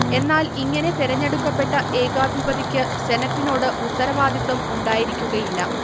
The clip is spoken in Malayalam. എന്നാൽഇങ്ങനെ തെരഞ്ഞെടുക്കപ്പെട്ട ഏകാധിപതിക്ക് സെനറ്റിനോട് ഉത്തരവാദിത്തം ഉണ്ടായിരിക്കുകയില്ല